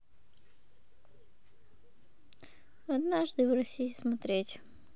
однажды в россии смотреть